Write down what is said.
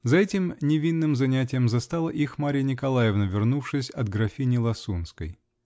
За этим невинным занятием застала их Марья Николаевна, вернувшись от графини Ласунской.